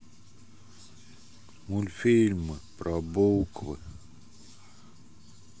мультфильмы про буквы